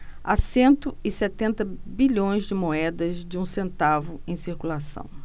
há cento e setenta bilhões de moedas de um centavo em circulação